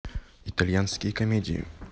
итальянские комедии